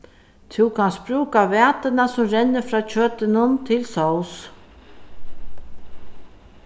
tú kanst brúka vætuna sum rennur frá kjøtinum til sós